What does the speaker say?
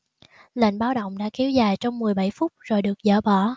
lệnh báo động đã kéo dài trong mười bảy phút rồi được dỡ bỏ